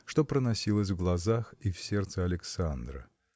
что проносилось в глазах и в сердце Александра.